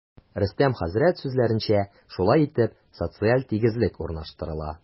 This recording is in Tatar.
Рөстәм хәзрәт сүзләренчә, шулай итеп, социаль тигезлек урнаштырыла.